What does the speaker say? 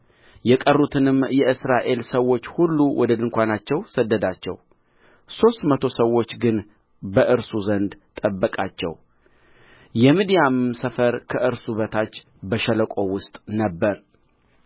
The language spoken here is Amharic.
በዚያም ሌሊት እግዚአብሔር በእጅህ አሳልፌ ሰጥቻቸዋለሁና ተነሥተህ ወደ ሰፈር ውረድ